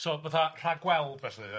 So, sort of, rhagweld, basically.